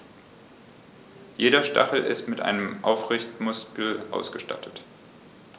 Jeder Stachel ist mit einem Aufrichtemuskel ausgestattet.